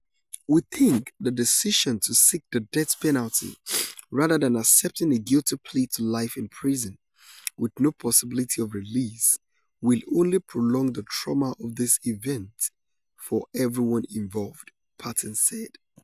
"We think the decision to seek the death penalty rather than accepting a guilty plea to life in prison with no possibility of release will only prolong the trauma of these events for everyone involved," Patton said.